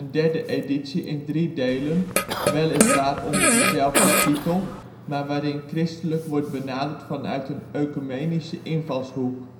derde editie in drie delen, weliswaar onder dezelfde titel, maar waarin " christelijk " wordt benaderd vanuit een oecumenische invalshoek